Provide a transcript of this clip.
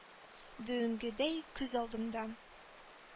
Бүгенгедәй күз алдымда...